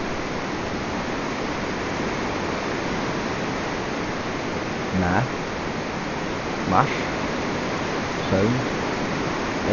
math mars søvn